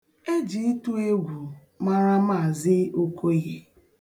E ji ịtụ egwu mara Maazị Okoye.